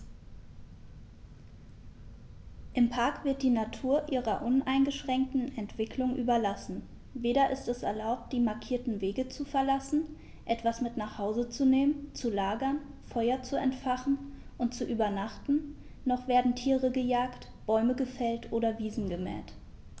Im Park wird die Natur ihrer uneingeschränkten Entwicklung überlassen; weder ist es erlaubt, die markierten Wege zu verlassen, etwas mit nach Hause zu nehmen, zu lagern, Feuer zu entfachen und zu übernachten, noch werden Tiere gejagt, Bäume gefällt oder Wiesen gemäht.